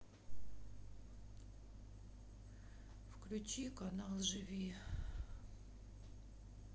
включи канал живи